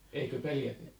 eikö pelotettu?